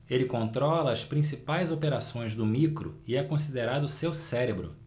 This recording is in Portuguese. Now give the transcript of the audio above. ele controla as principais operações do micro e é considerado seu cérebro